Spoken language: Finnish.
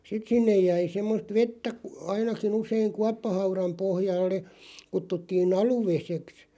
sitten sinne jäi semmoista vettä - ainakin usein kuoppahaudan pohjalle kutsuttiin aluvedeksi